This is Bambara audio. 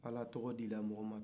ala bɛ tɔgɔ di mɔgɔ ma